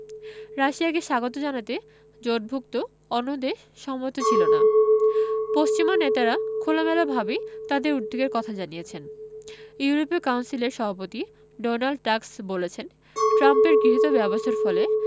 রাশিয়াকে স্বাগত জানাতে জোটভুক্ত অন্য দেশ সম্মত ছিল না পশ্চিমা নেতারা খোলামেলাভাবেই তাঁদের উদ্বেগের কথা জানিয়েছেন ইউরোপীয় কাউন্সিলের সভাপতি ডোনাল্ড টাক্স বলেছেন ট্রাম্পের গৃহীত ব্যবস্থার ফলে